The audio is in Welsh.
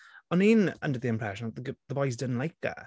O'n i'n, under the impression tha- g- the boys didn't like her.